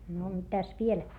no mitäs vielä